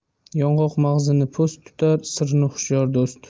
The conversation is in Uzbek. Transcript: yong'oq mag'zini po'st tutar sirni hushyor do'st